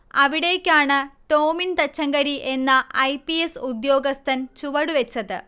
അവിടേക്കാണ് ടോമിൻ തച്ചങ്കരി എന്ന I. P. S ഉദ്യോഗസ്ഥൻ ചുവടുവെച്ചത്